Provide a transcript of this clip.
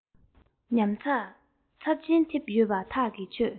ཉམས ཆག ཚབས ཆེན ཐེབས ཡོད པ ཐག གིས ཆོད